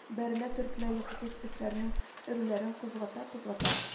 Бәрелә-төртелә, йокысыз этләрнең өрүләрен кузгата-кузгата